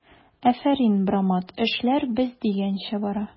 Афәрин, брамат, эшләр без дигәнчә бара!